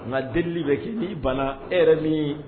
Nga delili bɛ kɛ ni banna e yɛrɛ mi